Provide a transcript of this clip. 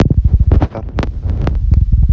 артем характер